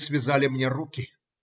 Вы связали мне руки.